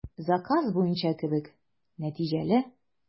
Заказ буенча кебек, нәтиҗәле.